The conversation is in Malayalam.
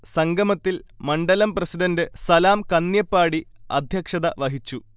സംഗമത്തിൽ മണ്ഡലം പ്രസിഡന്റ് സലാം കന്ന്യപ്പാടി അദ്ധ്യക്ഷത വഹിച്ചു